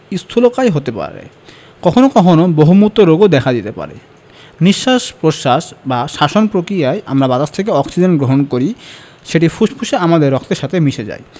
স্থুলকায় হতে পারে কখনো কখনো বহুমূত্র রোগও দেখা দিতে পারে নিঃশ্বাস প্রশ্বাস বা শ্বসন প্রক্রিয়ায় আমরা বাতাস থেকে যে অক্সিজেন গ্রহণ করি সেটি ফুসফুসে আমাদের রক্তের সাথে মিশে যায়